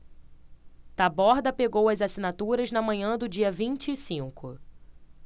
taborda pegou as assinaturas na manhã do dia vinte e cinco